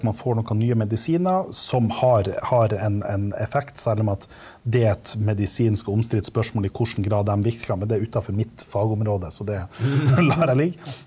man får noen nye medisiner som har har en en effekt, selv om at det er et medisinsk omstridt spørsmål i hvilken grad dem virka, men det er utafor mitt fagområde, så det lar jeg ligge.